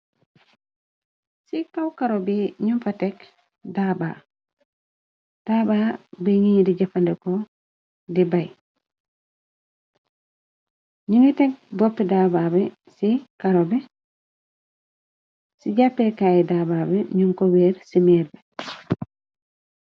Ci kaw karo bi ñung fa tekk daabaa taabaa bi ngiñ di jëfandeko di bay ñu ngi teg boppi dabab karobeci jàppeekaay daabaabi ñu ko weer ci méerbi.